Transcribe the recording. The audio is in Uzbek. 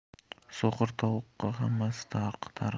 so'qir tovuqqa hammasi tariq